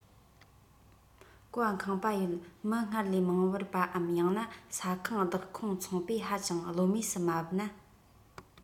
བཀའ ཁང བ ཡོད མི སྔར ལས མང བར པའམ ཡང ན ས ཁང བདག ཁོངས ཚོང པས ཧ ཅང བློ མོས སུ མ བབས ན